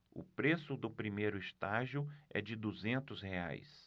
o preço do primeiro estágio é de duzentos reais